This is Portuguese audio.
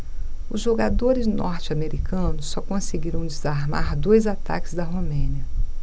os jogadores norte-americanos só conseguiram desarmar dois ataques da romênia